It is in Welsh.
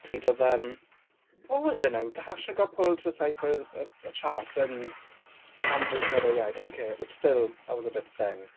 Pryd oedd yym... What was it now? Tasha got pulled to the side for a a chat and Andrew said, "Oh yeah, I don't care." Which still, that was a bit thing.